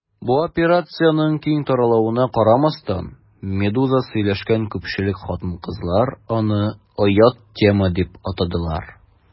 Бу операциянең киң таралуына карамастан, «Медуза» сөйләшкән күпчелек хатын-кызлар аны «оят тема» дип атадылар.